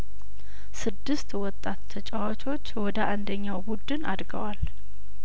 ስድስት ወጣት ተጫዋቾች ወደ አንደኛው ቡድን አድገዋል